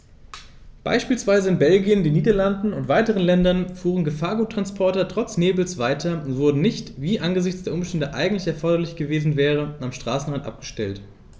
Beispielsweise in Belgien, den Niederlanden und weiteren Ländern fuhren Gefahrguttransporter trotz Nebels weiter und wurden nicht, wie es angesichts der Umstände eigentlich erforderlich gewesen wäre, am Straßenrand abgestellt.